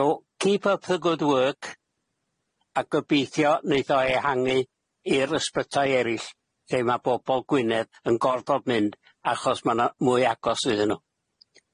So keep up the good work, a gobeithio neith o ehangu i'r ysbytai erill lle ma' bobol Gwynedd yn gorfod mynd achos ma' 'na mwy agos iddyn n'w.